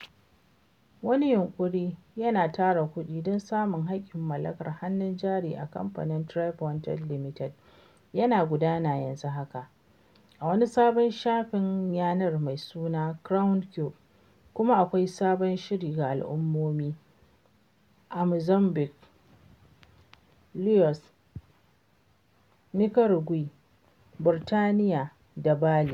Wani yunƙuri na tara kuɗi don samun haƙƙin mallakar hannun jari a kamfanin TribeWanted Ltd yana gudana yanxu haka, a wani sabon shafin yanar mai suna Crowdcube, kuma akwai sabon shiri ga al’ummomi a Mozambique, Laos, Nicaragua, Burtaniya, da Bali.